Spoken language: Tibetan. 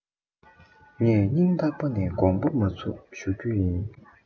ངས རྙིང ཐག པ ནས དགོང པ མ ཚུམ ཞུ རྒྱུ ཡིན